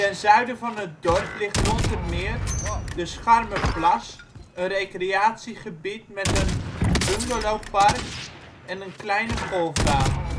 zuiden van het dorp ligt rond het meer de Scharmerplas een recreatiegebied met een bungalowpark en een kleine golfbaan